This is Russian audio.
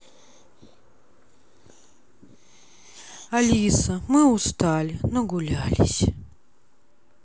алиса мы устали нагулялись